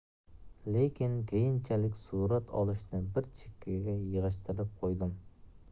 lekin keyinchalik surat solishni bir chekkaga yig'ishtirib qo'ydim